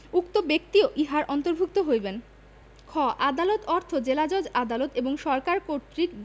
উক্ত ব্যক্তিও ইহার অন্তর্ভুক্ত হইবেন খ আদালত অর্থ জেলাজজ আদালত এবং সরকার কর্তৃক